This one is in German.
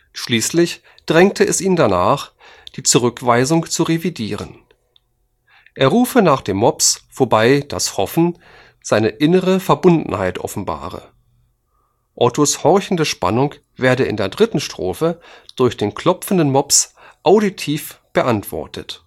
Schließlich dränge es ihn danach, die Zurückweisung zu revidieren. Er rufe nach dem Mops, wobei das Hoffen seine innere Verbundenheit offenbare. Ottos horchende Spannung werde in der dritten Strophe durch den klopfenden Mops auditiv beantwortet